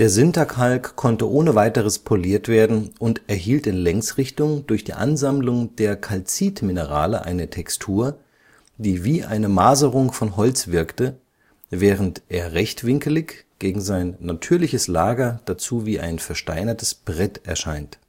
Sinterkalk konnte ohne weiteres poliert werden und erhielt in Längsrichtung durch die Ansammlung der Kalzitminerale eine Textur, die wie eine Maserung von Holz wirkte, während er rechtwinkelig, gegen sein natürliches Lager dazu wie ein versteinertes Brett erscheint